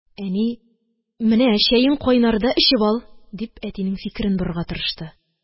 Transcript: Әни: – Менә чәең кайнарда эчеп ал! – дип, әтинең фикерен борырга тырышты